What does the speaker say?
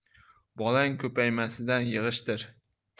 bolang ko'paymasidan yig'ishtir